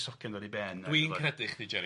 Dwi'n credu chdi Jerry.